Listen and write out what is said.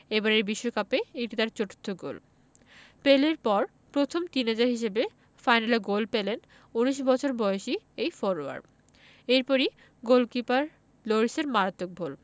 এবারের বিশ্বকাপে এটি তার চতুর্থ গোল পেলের পর প্রথম টিনএজার হিসেবে ফাইনালে গোল পেলেন ১৯ বছর বয়সী এই ফরোয়ার্ড এরপরই গোলকিপার লরিসের মারাত্মক ভুল